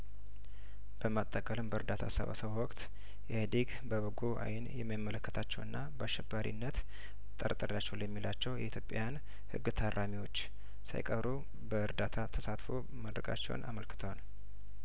በማጠቃለያውም በእርዳታ አሰባሰቡ ወቅት ኢህአዲግ በበጐ አይን የማይመለከታቸውና በአሸባሪነት ጠርጥሬያቸዋለሁ የሚላቸው የኢትዮጵያን ህግ ታራሚዎች ሳይቀሩ በእርዳታ ተሳትፎ ማድረጋቸውን አመልክቷል